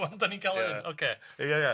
hyn ocê. Ia ia.